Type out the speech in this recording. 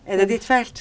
er det ditt felt?